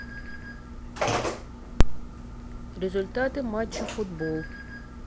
результаты матча футбол